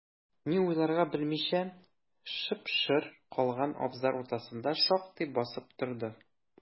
Ни уйларга белмичә, шып-шыр калган абзар уртасында шактый басып торды.